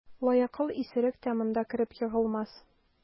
Лаякыл исерек тә монда кереп егылмас.